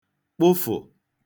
kpụfụ̀